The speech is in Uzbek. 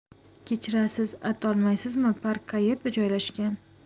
kechirasiz aytolmaysizmi park qayerda joylashgan